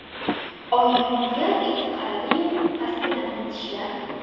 oyim yalt etib qaradi yu pastki labini tishlab